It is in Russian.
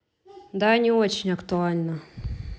да не очень актуально